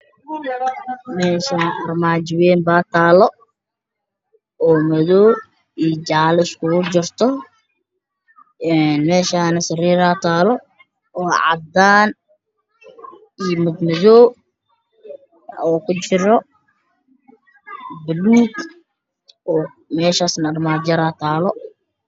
Meeshaan armaajo weyn baa taalo oo madow iyo jaale iskugu jirto